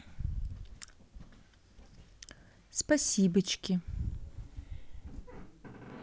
спасибочки